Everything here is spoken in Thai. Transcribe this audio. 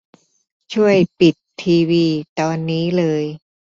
ช่วยปิดทีวีตอนนี้เลย